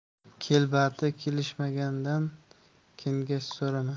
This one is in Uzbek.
kelbati kelishmagandan kengash so'rama